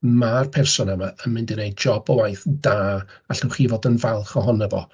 Ma'r person yma yn mynd i neud job o waith da, a allwch chi fod yn falch ohono fo.